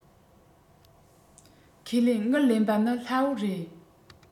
ཁས ལེན དངུལ ལེན པ ནི སླ བོར རེད